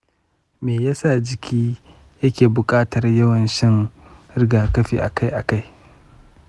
me ya sa jiki yake buƙatar yawan shan rigakafi akai-akai?